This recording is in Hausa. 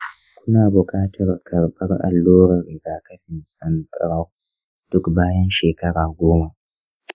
kuna buƙatar karɓar allurar rigakafin sankarau duk bayan shekara goma.